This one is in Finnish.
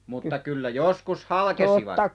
mutta kyllä joskus halkesivat